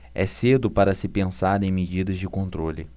é cedo para se pensar em medidas de controle